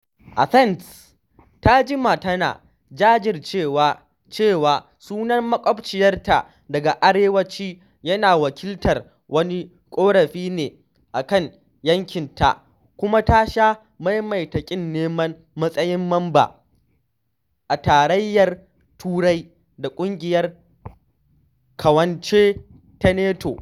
Athens ta jima tana jajircewa cewa sunan makwaɓciyarta daga arewaci yana wakiltar wani ƙorafi ne a kan yankinta kuma ta sha maimaita ƙin neman matsayin mamba a Tarayyar Turai da Ƙungiyar Ƙawance ta NATO.